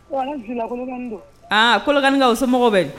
Kololɔnkanikaw o se mɔgɔ bɛ